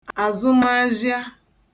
àzụmazhịa